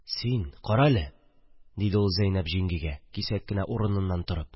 – син, карале, – диде ул зәйнәп җиңгигә, кисәк кенә урыныннан торып